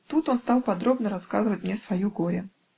Тут он стал подробно рассказывать мне свое горе.